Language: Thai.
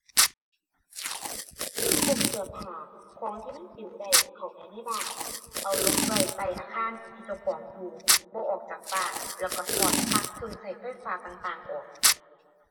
เก็บพวกเสื้อผ้าของที่มันปลิวได้เข้าไปในบ้าน เอาหลบไว้ใต้อาคารที่เจ้าของอยู่ บ่ออกจากบ้านแล้วก็ถอดปลั๊กเครื่องก็ไฟฟ้าต่างต่างออก